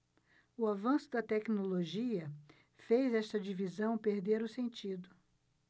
o avanço da tecnologia fez esta divisão perder o sentido